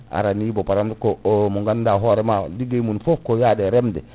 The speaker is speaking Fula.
arani bo * ko o mo ganduɗa hoorema ligguey mum foof ko yade reemde